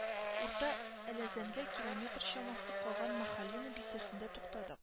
Урта әләзәнгә километр чамасы калгач махалино бистәсендә туктадык